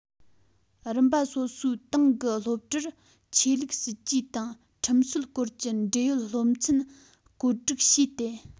རིམ པ སོ སོའི ཏང གི སློབ གྲྭར ཆོས ལུགས སྲིད ཇུས དང ཁྲིམས སྲོལ སྐོར གྱི འབྲེལ ཡོད སློབ ཚན བཀོད སྒྲིག བྱས ཏེ